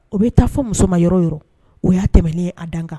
O bɛ taa fɔ musoman ma yɔrɔ yɔrɔ o y'a tɛmɛnen a dan kan